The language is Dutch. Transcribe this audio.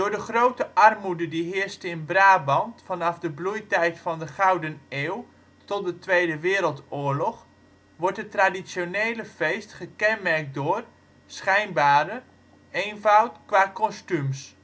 de grote armoede die heerste in Brabant vanaf de bloeitijd van de Gouden Eeuw tot de Tweede Wereldoorlog wordt het traditionele feest gekenmerkt door (schijnbare) eenvoud qua kostuums